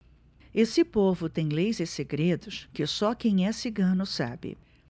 esse povo tem leis e segredos que só quem é cigano sabe